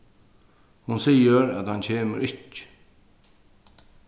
hon sigur at hann kemur ikki